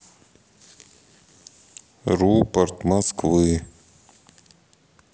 рупорт москвы